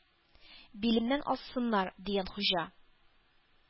Билемнән ассыннар,— дигән Хуҗа.